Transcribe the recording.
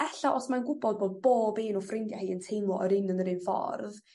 ella os mae'n gwbod bod bob un o ffrindie hi yn teimlo yr un yn yr un ffordd